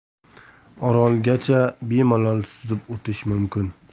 orolgacha bemalol suzib o'tish mumkin